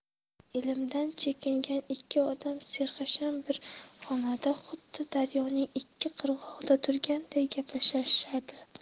ilmdan chekingan ikki odam serhasham bir xonada xuddi daryoning ikki qirg'og'ida turganday gaplashishardi